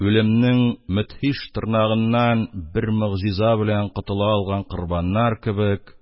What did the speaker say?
Үлемнең мөдһиш тырнагыннан бер могҗиза белән котыла алган корбаннар кебек,